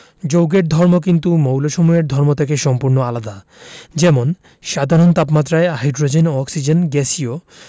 যৌগের ধর্ম কিন্তু মৌলসমূহের ধর্ম থেকে সম্পূর্ণ আলাদা যেমন সাধারণ তাপমাত্রায় হাইড্রোজেন ও অক্সিজেন গ্যাসীয়